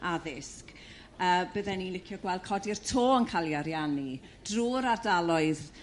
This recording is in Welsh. addysg, a bydden i'n licio gweld codi'r to yn ca'l 'i ariannu drw'r ardaloedd